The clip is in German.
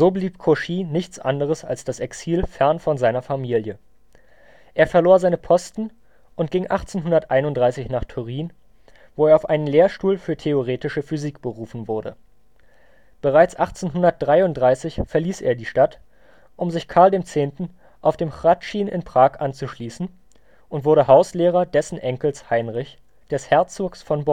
blieb Cauchy nichts anderes als das Exil fern von seiner Familie. Er verlor seine Posten und ging 1831 nach Turin, wo er auf einen Lehrstuhl für theoretische Physik berufen wurde. Bereits 1833 verließ er die Stadt, um sich Karl X. auf dem Hradschin in Prag anzuschließen, und wurde Hauslehrer dessen Enkels Heinrich, des Herzogs von